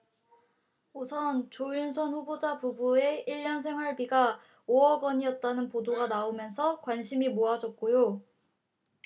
우선 조윤선 후보자 부부의 일 년 생활비가 오 억 원이었다는 보도가 나오면서 관심이 모아졌고요